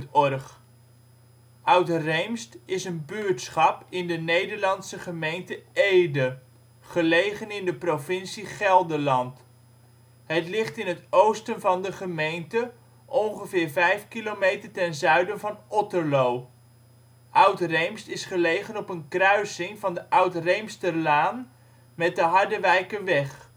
of Oud-Reemst is een buurtschap in de Nederlandse gemeente Ede, gelegen in de provincie Gelderland. Het ligt in het oosten van de gemeente, ongeveer 5 kilometer ten zuiden van Otterlo. Oud-Reemst is gelegen op een kruising van de Oud-Reemsterlaan met de Harderwijkerweg